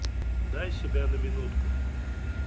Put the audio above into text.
дай себя на минутку